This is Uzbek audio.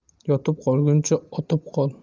yotib qolguncha otib qol